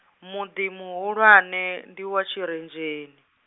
muḓi muhulwane ndi wa Tshirenzheni.